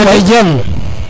mbede djam